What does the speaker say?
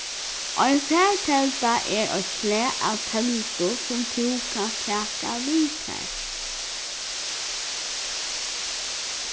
ein fartelda er eitt slag av teldu sum tú kanst taka við tær